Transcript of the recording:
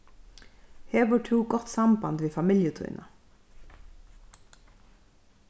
hevur tú gott samband við familju tína